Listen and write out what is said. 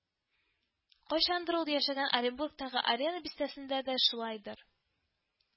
Кайчандыр ул яшәгән Оренбургтагы Аренда бистәсендә дә шулайдыр